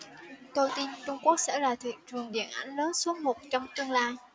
tôi tin trung quốc sẽ là thị trường điện ảnh lớn số một trong tương lai